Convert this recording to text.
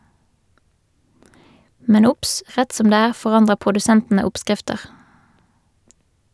Men obs - rett som det er forandrer produsentene oppskrifter.